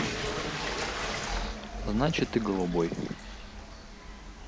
значит ты голубой